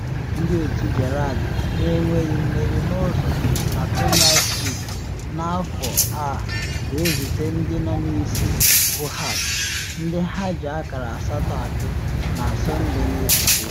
Ndị otu Gerrard na enweghị mmeri n’ụzọ na Premiership n’afọ a ga-ezute ndị nọ n’isi bụ Hearts, ndị ha ji akara asatọ achụ, na Sọnde na esote.